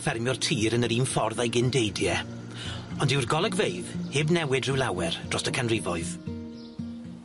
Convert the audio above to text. ...ffermio'r tir yn yr un ffordd a'i gyn-deidie ond dyw'r golygfeydd heb newid ryw lawer drost y canrifoedd.